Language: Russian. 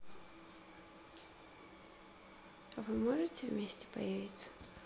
а вы можете вместе появиться